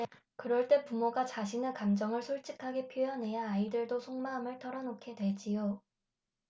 그럴 때 부모가 자신의 감정을 솔직하게 표현해야 아이들도 속마음을 털어 놓게 되지요